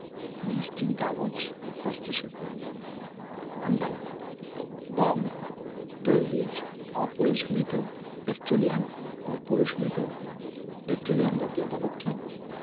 newsprint কাগজ হস্তশিল্প আমদানিঃ গম তৈলবীজ অপরিশোধিত পেট্রোলিয়াম ও পরিশোধিত পেট্রোলিয়াম জাতীয় পদার্থ